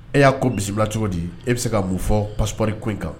E y'a ko bisimila bila cogo di e bɛ se ka mun fɔ paspri ko in kan